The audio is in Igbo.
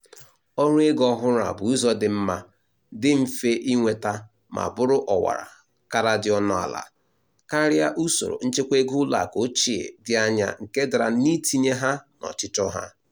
Ọrụ ego ọhụrụ a bụ ụzọ dị mma, dị mfe inweta ma bụrụ ọwara kara dị ọnụala, karịa usoro nchekwaego ụlọakụ ochie 'dị anya' nke dara n'itinye ha n'ọchịchọ ha.